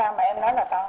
sao mà em nói là to